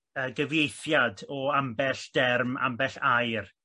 yy gyfieithiad o ambell derm ambell air